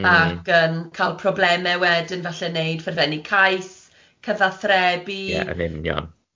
Ac yn cael problemau wedyn falle neud ffurfennu cais, cyfathrebu Ie yn union.